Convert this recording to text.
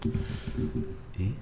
Ee